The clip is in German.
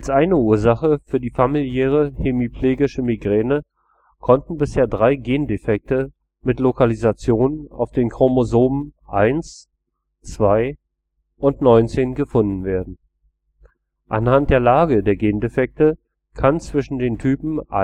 eine Ursache für die familiäre hemiplegische Migräne konnten bisher drei Gendefekte mit Lokalisation auf den Chromosomen 1, 2 und 19 gefunden werden. Anhand der Lage der Gendefekte kann zwischen den Typen